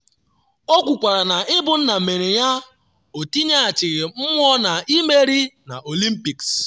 O kwukwara na ịbụ nna mere ya o tinyechaghị mmụọ n’imeri na Olympics.